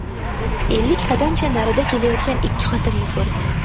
ellik qadamcha narida kelayotgan ikki xotinni ko'rdim